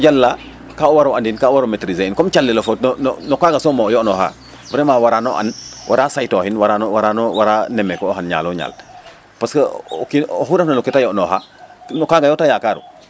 ke o jala ka war o andin ka war o maitriser in comme calelof fo no no kaaga som o yo, nOoxa vraiment warno and wara say to xin wara wara no neme ko o xan ñalo ñal parce que o xu ref na no ke te yoɗ noxa no kaga yo te yakaru aod